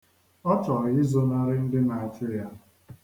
Ọ chọrọ izonarị ndị na-achụ ya.